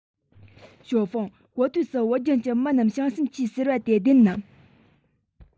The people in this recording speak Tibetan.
ཞའོ ཧྥུང གོ ཐོས སུ བོད ལྗོངས ཀྱི མི རྣམས བྱང སེམས ཆེ ཟེར བ དེ བདེན ནམ